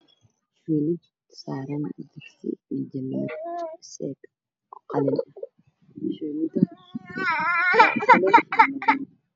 Sheelad saaran dalaagad iyo qalin talaagad